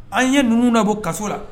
An ye nunu na bɔ kaso la